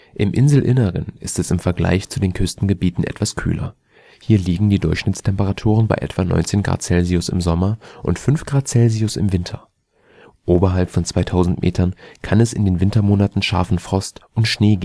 Im Inselinneren ist es im Vergleich zu den Küstengebieten etwas kühler. Hier liegen die Durchschnittstemperaturen bei 19 °C im Sommer und 5 °C im Winter. Oberhalb von 2000 m kann es in den Wintermonaten scharfen Frost und Schnee